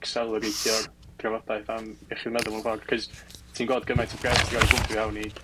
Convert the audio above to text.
ecseleratio'r drafodaeth am iechyd meddwl, mewn ffor', 'c'os ti'n gweld gymaint o bres 'di ga'l 'i bwmpio fewn i